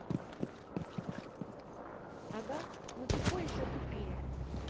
ага ну тупой еще тупее